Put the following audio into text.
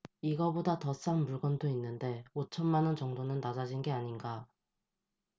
이거보다 더 싼 물건도 있는데 오 천만 원 정도는 낮아진 게 아닌가